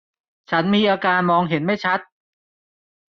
ฉันมีอาการมองเห็นไม่ชัด